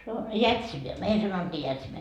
se on jätsinä meillä sanottiin jätsinä